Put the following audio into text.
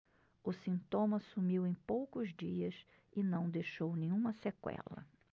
o sintoma sumiu em poucos dias e não deixou nenhuma sequela